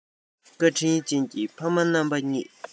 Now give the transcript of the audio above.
བཀའ དྲིན ཅན གྱི ཕ མ རྣམ པ གཉིས